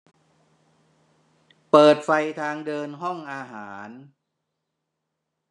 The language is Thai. เปิดไฟทางเดินห้องอาหาร